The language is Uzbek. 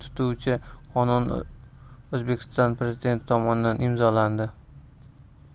tutuvchi qonun o'zbekiston prezidenti tomonidan imzolandi